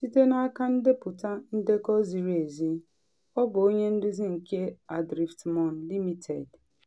Site n’aka ndepụta ndekọ ziri ezi, ọ bụ onye nduzi nke Adriftmorn Limited.